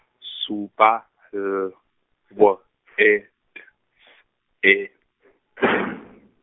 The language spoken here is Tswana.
supa, L W E T S E .